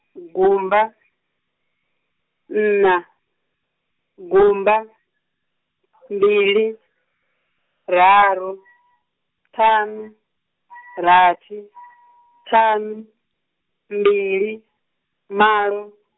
gumba, nṋa, gumba, mbili, raru , ṱhanu, rathi, ṱhanu, mbili, malo.